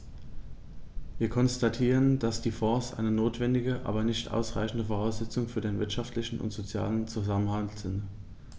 Wir konstatieren, dass die Fonds eine notwendige, aber nicht ausreichende Voraussetzung für den wirtschaftlichen und sozialen Zusammenhalt sind.